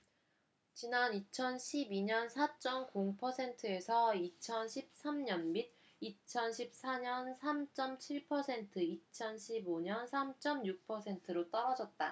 지난 이천 십 이 년 사 쩜 공 퍼센트에서 이천 십 삼 년 및 이천 십 사 년 삼 쩜 칠 퍼센트 이천 십 오 년 삼 쩜 육 퍼센트로 떨어졌다